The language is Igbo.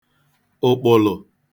ụ̀kpụ̀lụ̀